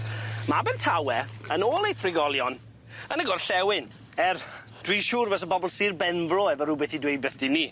Ma' Abertawe yn ôl ei thrigolion yn y gorllewin er dwi'n siŵr fysa bobol Sir Benfro efo rwbeth i dweud bythdi 'ny.